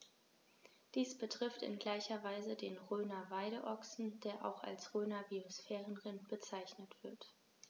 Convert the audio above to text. Dies betrifft in gleicher Weise den Rhöner Weideochsen, der auch als Rhöner Biosphärenrind bezeichnet wird.